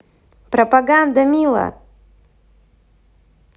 пропаганда мила